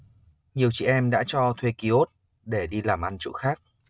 nhiều chị em đã cho thuê ki ốt để đi làm ăn chỗ khác